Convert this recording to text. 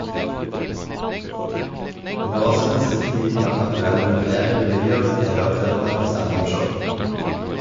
Hun har også den siste tiden vært aktuell med flere revyer, tv-opptredener og stand up-show.